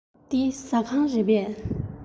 འདི ཟ ཁང རེད པས